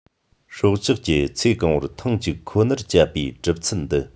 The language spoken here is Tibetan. སྲོག ཆགས ཀྱི ཚེ གང བོར ཐེངས གཅིག ཁོ ནར སྤྱད པའི གྲུབ ཚུལ འདི